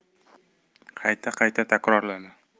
qayta qayta takrorladi